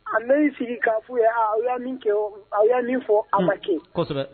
An bɛ sigi ka fɔ yea kɛ a y'a min fɔ a ma kɛ